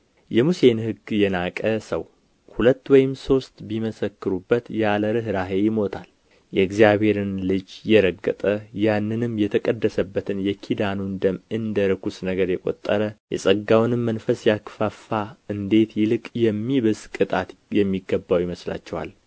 የሙሴን ሕግ የናቀ ሰው ሁለት ወይም ሦስት ቢመሰክሩበት ያለ ርኅራኄ ይሞታል የእግዚአብሔርን ልጅ የረገጠ ያንንም የተቀደሰበትን የኪዳኑን ደም እንደ ርኵስ ነገር የቆጠረ የጸጋውንም መንፈስ ያክፋፋ እንዴት ይልቅ የሚብስ ቅጣት የሚገባው ይመስላችኋል